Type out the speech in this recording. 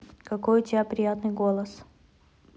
какой у тебя приятный голос